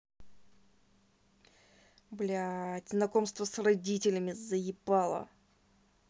блядь знакомство с родителями заебала